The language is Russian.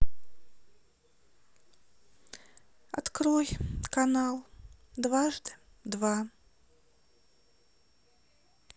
открой канал дважды два